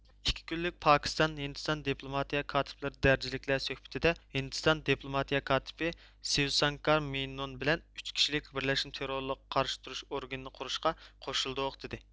ئىككى كۈنلۈك پاكىستان ھىندىستان دىپلوماتىيە كاتىپلىرى دەرىجىلىكلەر سۆھبىتىدە ھىندىستان دىپلوماتىيە كاتىپى سىۋسانكار مېينون بىلەن ئۈچ كىشىلىك بىرلەشمە تېررورلۇققا قارشى تۇرۇش ئورگىنى قۇرۇشقا قوشۇلدۇق دىدى